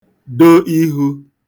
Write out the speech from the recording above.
do ihū